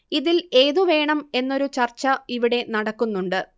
ഇതിൽ ഏതു വേണം എന്നൊരു ചർച്ച ഇവിടെ നടക്കുന്നുണ്ട്